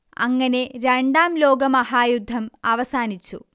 അങ്ങനെ രണ്ടാം ലോകമഹായുദ്ധം അവസാനിച്ചു